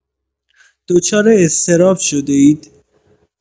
دچار اضطراب شده‌اید؟